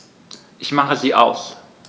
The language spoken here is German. Ich mache sie aus.